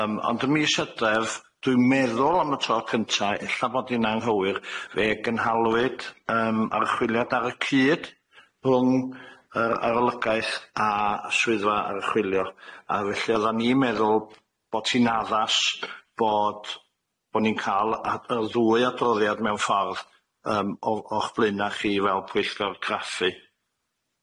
Yym ond ym mis Hydref dwi'n meddwl am y tro cynta ella bod 'i'n anghywir fe gynhalwyd yym archwiliad ar y cyd rhwng yy yr olygaeth a y swyddfa archwilio, a felly oddan ni'n meddwl bo' ti'n addas bod bo' ni'n ca'l a- y ddwy adroddiad mewn ffordd yym o'ch blaenach chi fel pwyllgor craffu.